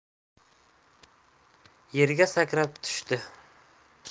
yerga sakrab tushdi